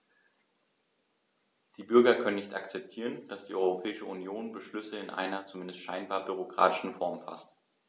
Die Bürger können nicht akzeptieren, dass die Europäische Union Beschlüsse in einer, zumindest scheinbar, bürokratischen Form faßt.